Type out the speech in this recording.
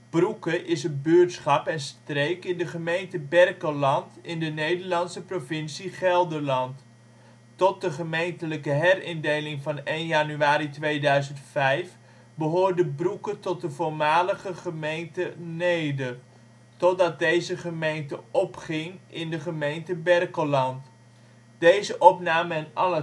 Broeke is een buurtschap en streek in de gemeente Berkelland in de Nederlandse provincie Gelderland. Tot de gemeentelijke herindeling van 1 januari 2005 behoorde Broeke tot de voormalige gemeente Neede, totdat deze gemeente opging in de gemeente Berkelland. Broek als deel van de gemeente Neede 1818. Kadasterkaart (verzamelplan) 52° 10 ' NB, 6° 39 ' OL